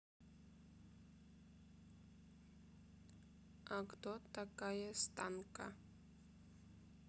а кто такая станка